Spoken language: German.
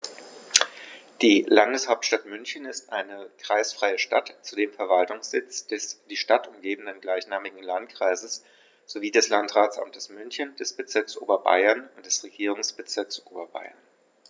Die Landeshauptstadt München ist eine kreisfreie Stadt, zudem Verwaltungssitz des die Stadt umgebenden gleichnamigen Landkreises sowie des Landratsamtes München, des Bezirks Oberbayern und des Regierungsbezirks Oberbayern.